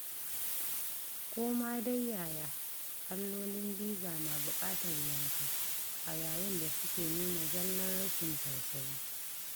Ko ma dai yaya, allolin biza na buƙatar yanka, a yayin da su ke nuna zallar rashin tausayi.